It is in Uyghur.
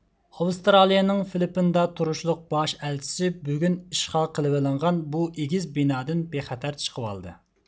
ئاۋسترالىيىنىڭ فىلىپپىندا تۇرۇشلۇق باش ئەلچىسى بۈگۈن ئىشغال قىلىۋېلىنغان بۇ ئېگىز بىنادىن بىخەتەر چىقىۋالدى